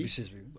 BICIS bi